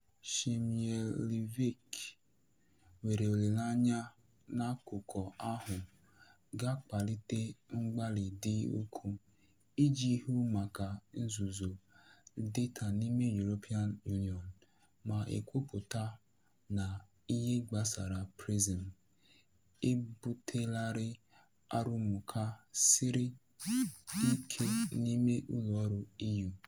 Szymielewicz nwere olileanya na akụkọ ahụ ga-akpalite mgbalị dị ukwuu iji hụ maka nzuzo data n'ime European Union, ma kwupụta na "ihe gbasara PRISM" ebutelarịị "arụmụka siri ike" n'ime ụlọọrụ EU.